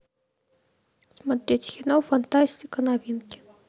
смотреть кино фантастика новинки